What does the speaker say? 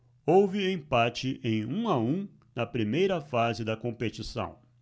houve empate em um a um na primeira fase da competição